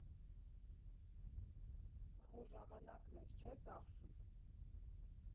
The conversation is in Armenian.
Քո ժամանակն ես չէ՞ ծախսում։